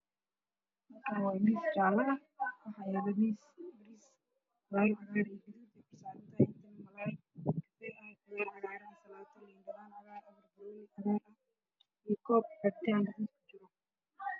Halkaan waxaa yaalo saxan kujiro bariis iyo khudaar kale